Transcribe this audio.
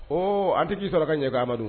Ɔ an tɛ k'i saraka ka ɲɛka amadu dun